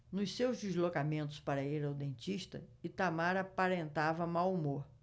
nos seus deslocamentos para ir ao dentista itamar aparentava mau humor